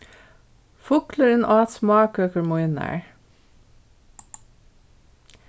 fuglurin át smákøkur mínar